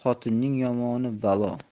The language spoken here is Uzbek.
xotinning yomoni balo